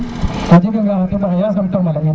a jega nga xa teɓa xe yàsam te mala in